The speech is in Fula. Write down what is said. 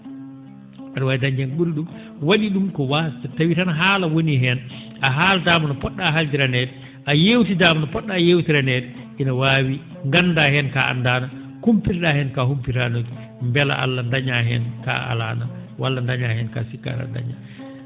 a?a waawi dañde heen ko ?uri ?um wa?i ?um ko waasde tawii tan haala wonii heen a haaldaama no pot?aa haaldiraaneede a yeewtidaama no pot?aa yewtiraneede ina waawi nganndaa heen ko a anndaano kumpito?aa heen ko a humpitanooki mbela Allah dañaa heen ko a alaano walla dañaa heen ko a sikkaano a?a daña